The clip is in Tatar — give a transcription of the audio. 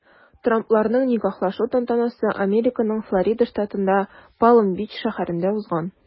Трампларның никахлашу тантанасы Американың Флорида штатында Палм-Бич шәһәрендә узган.